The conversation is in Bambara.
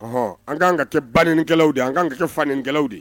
Ɔnhɔn an kan ka kɛ ba nɛnikɛlaw de ye , an kan ka kɛ fa nɛnikɛlaw de ye.